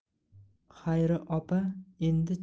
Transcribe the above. xayri opa endi